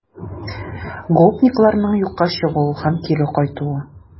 Гопникларның юкка чыгуы һәм кире кайтуы